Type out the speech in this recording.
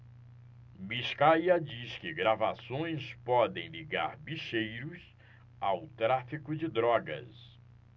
biscaia diz que gravações podem ligar bicheiros ao tráfico de drogas